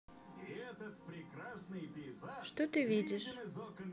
что ты видишь